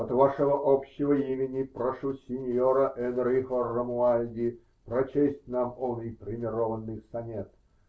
-- От вашего общего имени прошу синьора "Энрихо" Ромуальди прочесть нам оный премированный сонет.